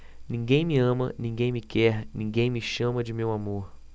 ninguém me ama ninguém me quer ninguém me chama de meu amor